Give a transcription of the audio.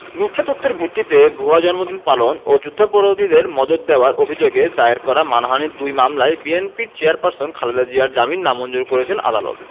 মিথ্যা তথ্যের ভিত্তিতে ভুয়া জন্মদিন পালন ও যুদ্ধাপরাধীদের মদদ দেওয়ার অভিযোগে দায়ের করা মানহানির দুই মামলায় বিএনপির চেয়ারপারসন খালেদা জিয়ার জামিন নামঞ্জুর করেছেন আদালত